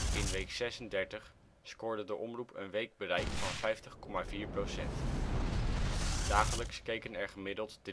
In week 36 scoorde de omroep een weekbereik van 50,4 procent. Dagelijks keken er gemiddeld